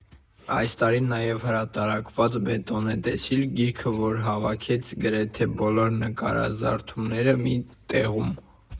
Այս տարի նաև հրատարակվեց «Բետոնե Տեսիլք» գիրքը, որը հավաքեց գրեթե բոլոր նկարազարդումները մի տեղում։